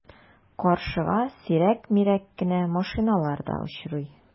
Каршыга сирәк-мирәк кенә машиналар да очрый.